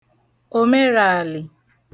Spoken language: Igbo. òmerèalị̀